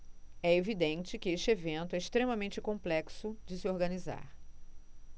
é evidente que este evento é extremamente complexo de se organizar